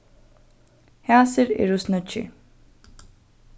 hasir eru snøggir